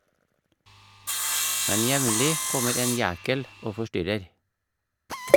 Men jevnlig kommer en jækel og forstyrrer.